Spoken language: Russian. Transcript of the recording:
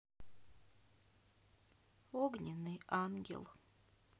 огненный ангел